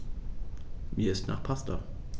Mir ist nach Pasta.